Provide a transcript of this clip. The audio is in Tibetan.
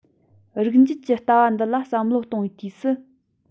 རིགས འབྱེད ཀྱི ལྟ བ འདི ལ བསམ བློ གཏོང བའི དུས སུ